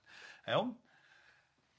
Iawn?